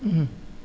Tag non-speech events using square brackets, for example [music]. [hesitation] [hesitation]